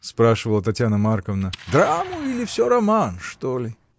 — спрашивала Татьяна Марковна, — драму или всё роман, что ли?